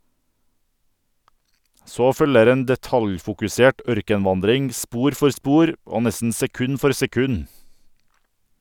Så følger en detaljfokusert ørkenvandring spor for spor, og nesten sekund for sekund.